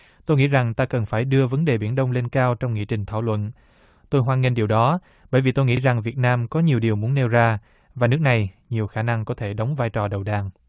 tôi nghĩ rằng ta cần phải đưa vấn đề biển đông lên cao trong nghị trình thảo luận tôi hoan nghênh điều đó bởi vì tôi nghĩ rằng việt nam có nhiều điều muốn nêu ra và nước này nhiều khả năng có thể đóng vai trò đầu đàn